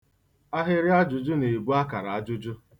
Ahịrị ajụjụ na-ebu akara ajụjụ.